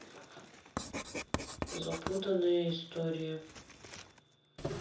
запутанная история